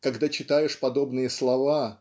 Когда читаешь подобные слова